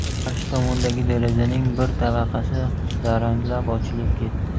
qarshi tomondagi derazaning bir tavaqasi daranglab ochilib ketdi